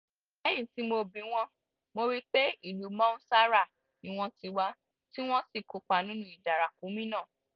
Lẹ́yìn tí mo bì wọ́n, mo ríi pé ìlú Mansoura ni wọ́n ti wá tí wọ́n sì kópa nínú "Ìjà Ràkúnmí" náà.